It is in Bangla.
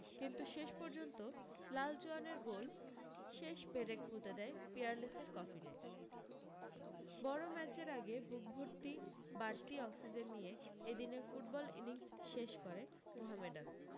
কিন্তু শেষ পর্যন্ত লালচুয়ানের গোল শেষ পেরেক পুঁতে দেয় পিয়ারলেসের কফিনে বড় ম্যাচের আগে বুক ভর্তি বাড়তি অক্সিজেন নিয়ে এদিনের ফুটবল ইনিংস শেষ করে মোহামেডান